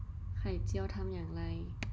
ไข่เจียวทำอย่างไร